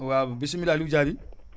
waaw bisimilah Aliou Diaby